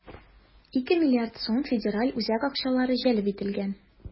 2 млрд сум федераль үзәк акчалары җәлеп ителгән.